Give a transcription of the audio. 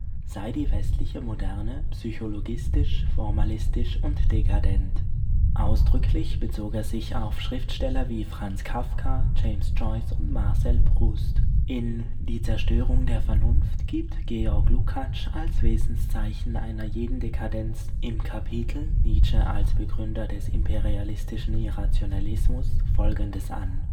sei die westliche Moderne psychologistisch, formalistisch und dekadent. Ausdrücklich bezog er sich auf Schriftsteller wie Franz Kafka, James Joyce und Marcel Proust. In Die Zerstörung der Vernunft gibt George Lukács als Wesenszeichen einer jeden Dekadenz (im Kapitel " Nietzsche als Begründer des imperialistischen Irrationalismus ") folgendes an